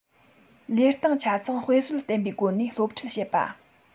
ལས སྟངས ཆ ཚང དཔེ སྲོལ བསྟན པའི སྒོ ནས སློབ ཁྲིད བྱེད པ